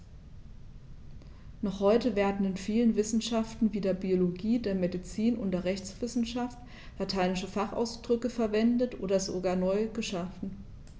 Noch heute werden in vielen Wissenschaften wie der Biologie, der Medizin und der Rechtswissenschaft lateinische Fachausdrücke verwendet und sogar neu geschaffen.